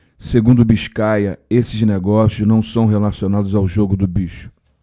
segundo biscaia esses negócios não são relacionados ao jogo do bicho